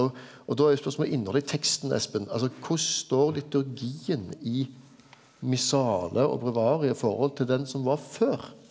og og då er spørsmålet innhaldet i teksten Espen altså korleis står liturgien i Missale og breviariet i forhold til den som var før?